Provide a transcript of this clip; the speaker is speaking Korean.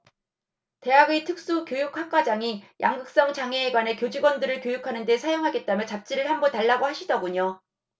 대학의 특수 교육학과장이 양극성 장애에 관해 교직원들을 교육하는 데 사용하겠다며 잡지를 한 부 달라고 하시더군요